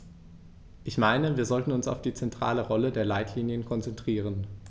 Ich meine, wir sollten uns auf die zentrale Rolle der Leitlinien konzentrieren.